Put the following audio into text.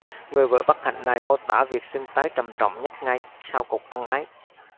người vợ bất hạnh này mô tả việc sưng tấy trầm trọng nhất ngay sau cuộc ân ái